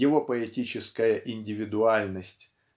его поэтическая индивидуальность